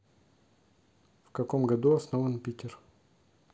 в каком году основан питер